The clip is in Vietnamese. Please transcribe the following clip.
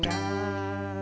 ca